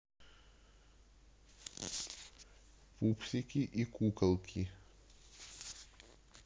пупсики и куколки